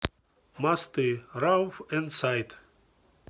мосты rauf and сайт